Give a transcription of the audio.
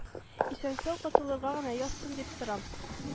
Исән-сау котылырга гына язсын дип торам